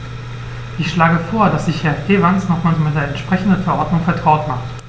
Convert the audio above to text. Ich schlage vor, dass sich Herr Evans nochmals mit der entsprechenden Verordnung vertraut macht.